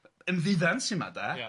yn ddyddans yma de... Ia.